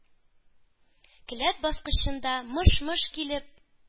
Келәт баскычында мыш-мыш килеп